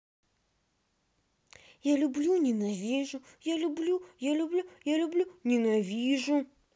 я люблю ненавижу я люблю я люблю я люблю ненавижу